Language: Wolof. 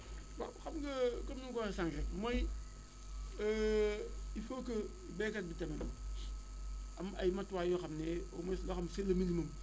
waaw xam nga comme ni ma ko waxee sànq rek mooy il faut que béykat bi tamit am ay matuwaay yoo xam ne au moins loo xam c' est le minimum